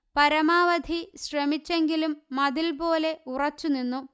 പരമാവധി ശ്രമിച്ചെങ്കിലും മതിൽ പോലെ ഉറച്ചു നിന്നു